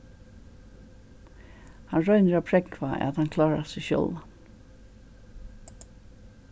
hann roynir at prógva at hann klárar seg sjálvan